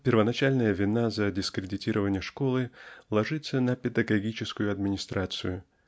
первоначальная вина за дискредитирование школы ложится на педагогическую администрацию